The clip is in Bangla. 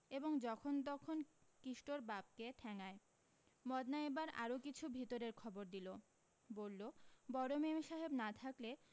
এবং যখন তখন কিষ্টোর বাপকে ঠ্যাঙায় মদনা এবার আরও কিছু ভিতরের খবর দিলো বললো বড় মেমসাহেব না থাকলে